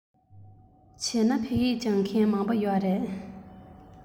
བྱས ན བོད ཡིག སྦྱོང མཁན མང པོ ཡོད པ རེད